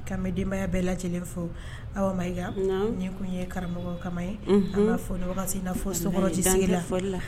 Ka denbaya bɛɛ lajɛ lajɛlen fɔ aw ma nin tun ye karamɔgɔ kama ye an ka fɔ dɔgɔ' fɔ so la la